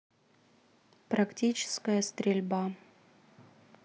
практическая стрельба